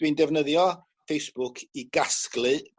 dwi'n defnyddio Facebook i gasglu